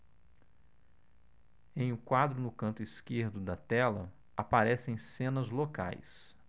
em um quadro no canto esquerdo da tela aparecem cenas locais